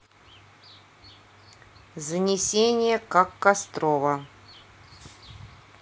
занесение как кострова